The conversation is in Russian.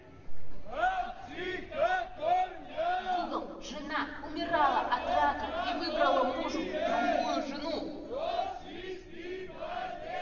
google жена умирала от рака и выбрала мужу другую жену